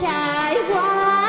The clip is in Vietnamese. trải qua